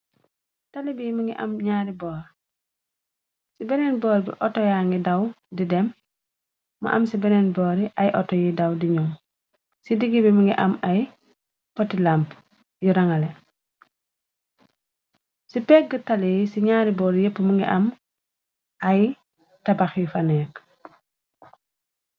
Tali bi mi ngi am ñaari bor ci benen bor bi otto ya ngi daw di dem mu am ci benen bóri ay auto yi daw diñaw ci diggi bi mi ngi am ay poti lamp yi rangale ci pegg tali bi ci ñaari bor yép mu ngi am ay tabax yu fa nekka.